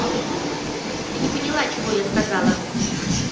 ты не поняла чего я сказала